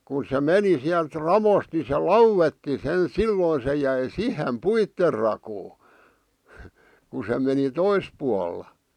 kun se meni sieltä raosta niin se lauetti sen silloin se jäi siihen puiden rakoon kun se meni toisella puolella